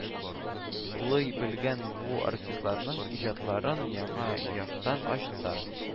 Лый белгән бу артистларның иҗатларын яңа яктан ачты